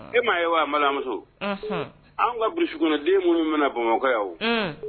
E m maa ye wa balimamuso an ka kulukɔnɔ den minnu bɛ bamakɔ o